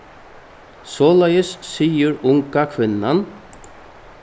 soleiðis sigur unga kvinnan